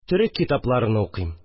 Төрек китапларыны укыйм